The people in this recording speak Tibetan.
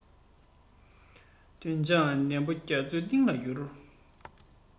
འདོད ཆགས ནག པོ རྒྱ མཚོའི གཏིང ལ བསྐྱུར